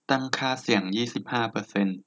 ตั้งค่าเสียงยี่สิบห้าเปอร์เซนต์